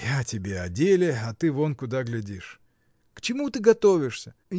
— Я тебе о деле, а ты вон куда глядишь! К чему ты готовишься?